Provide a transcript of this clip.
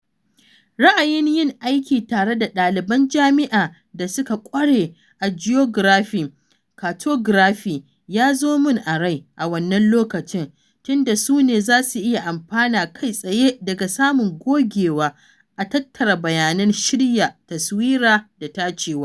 Ra’ayin yin aiki tare da ɗaliban jami’a da suka ƙware a Geography/Cartography yazo mun a rai a wannan lokacin, tun da su ne za su iya amfana kai tsaye daga samun gogewa a tattara bayanan shirya taswira da tacewa.